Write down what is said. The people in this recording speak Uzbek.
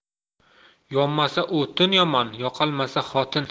yonmasa o'tin yomon yoqolmasa xotin